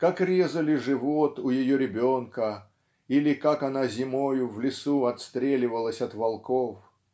как резали живот у ее ребенка или как она зимою в лесу отстреливалась от волков.